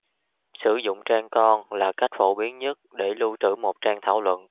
sử dụng trang con là cách phổ biến nhất để lưu trữ một trang thảo luận